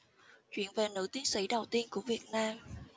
chuyện về nữ tiến sĩ đầu tiên của việt nam